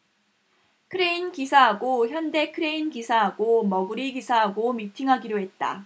크레인 기사하고 현대 크레인 기사하고 머구리 기사하고 미팅하기로 했다